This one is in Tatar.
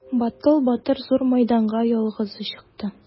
Баттал батыр зур мәйданга ялгызы чыкты.